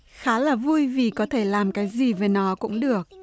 khá là vui vì có thể làm cái gì về nó cũng được